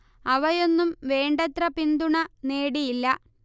അവയൊന്നും വേണ്ടത്ര പിന്തുണ നേടിയില്ല